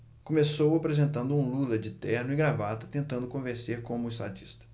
começou apresentando um lula de terno e gravata tentando convencer como estadista